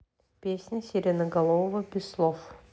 песня сиреноголового без слов